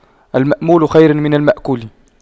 المأمول خير من المأكول